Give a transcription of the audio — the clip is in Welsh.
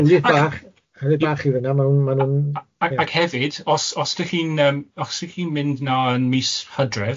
Ywlydd bach, ywlydd bach yw hynna ma' nhw'n ma' nhw'n... A ac hefyd os os dych chi'n yym os dych chi'n mynd nawr yn mis Hydref.